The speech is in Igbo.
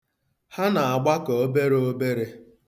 Ha na-agbakọ obere obere.